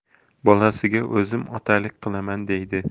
bolasiga o'zim otalik qilaman deydi